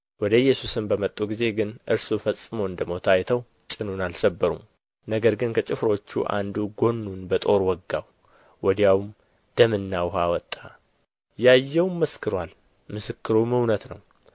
ወደ ኢየሱስ በመጡ ጊዜ ግን እርሱ ፈጽሞ እንደ ሞተ አይተው ጭኑን አልሰበሩም ነገር ግን ከጭፍሮች አንዱ ጎኑን በጦር ወጋው ወዲያውም ደምና ውኃ ወጣ ያየውም መስክሮአል ምስክሩም እውነት ነው